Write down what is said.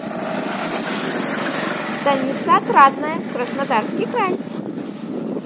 станица отрадная краснодарский край